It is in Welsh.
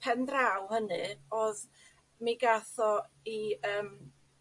pen draw hynny odd mi gath o 'i yym...